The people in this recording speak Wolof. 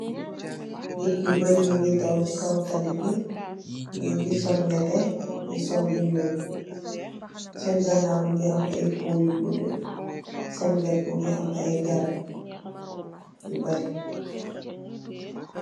Nit yu bari nungi daw chi kaw tali bi. Ni ya ngi sol nètè, ni sol lu ñuul senn ganaaw mungi am ay pool yu guddu, senn wèt mungi am ay garab yu bari.